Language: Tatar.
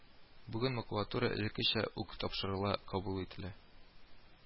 Бүген макулатура элеккечә үк тапшырыла, кабул ителә